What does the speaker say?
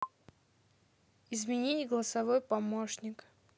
изменить голосовой помощник